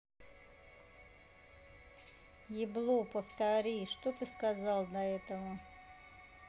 ебло повтори что ты сказал до этого